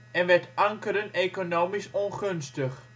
en werd ankeren economisch ongunstig